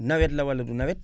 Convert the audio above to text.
nawet la wala du nawet